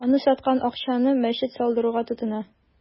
Аны саткан акчаны мәчет салдыруга тотына.